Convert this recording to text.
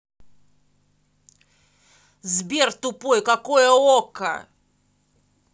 сбер тупой какой okko